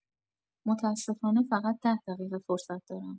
متاسفانه، فقط ده دقیقه فرصت دارم.